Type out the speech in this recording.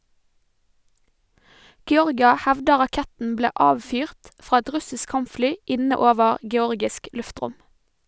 Georgia hevder raketten ble avfyrt fra et russisk kampfly inne over georgisk luftrom.